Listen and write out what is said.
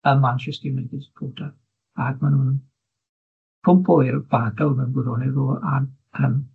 a Manchester United supporter, ag ma' nw'n cwmpo i'r bagl mewn gwirionedd o a- yym